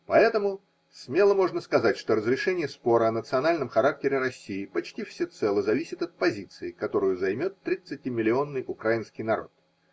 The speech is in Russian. Поэтому смело можно сказать, что разрешение спора о национальном характере России почти всецело зависит от позиции, которую займет тридцатимиллионный украинский народ.